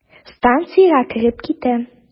Станциягә кереп китә.